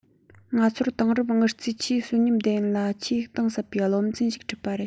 ང ཚོར དེང རབས དངུལ རྩའི ཆེས གསོན ཉམས ལྡན ལ ཆེས གཏིང ཟབ པའི སློབ ཚན ཞིག ཁྲིད པ རེད